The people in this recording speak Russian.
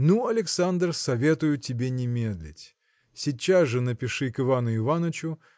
– Ну, Александр, советую тебе не медлить сейчас же напиши к Ивану Иванычу